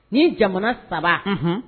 Ni jamana saba